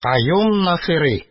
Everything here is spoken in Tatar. Каюм Насыйри